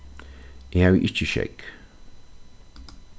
eg havi ikki skegg